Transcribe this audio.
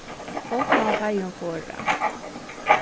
fátt man feigum forða